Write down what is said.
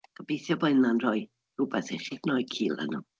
Gobeithio bod hynna'n rhoi rhywbeth i chi gnoi cil arno.